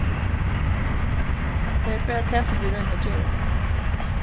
tað er bara tað sum vit royna at gera